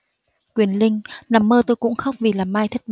quyền linh nằm mơ tôi cũng khóc vì làm mai thất